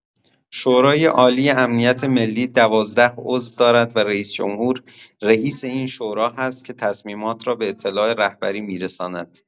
شورای‌عالی امنیت ملی ۱۲ عضو دارد و رئیس‌جمهور، رئیس این شورا هست که تصمیمات را به اطلاع رهبری می‌رساند.